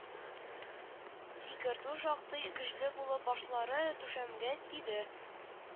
Сикертү шактый көчле булып башлары түшәмгә тиде